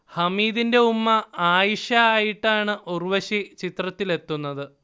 ഹമീദിന്റെ ഉമ്മ ആയിഷ ആയിട്ടാണ് ഉർവശി ചിത്രത്തിൽ എത്തുന്നത്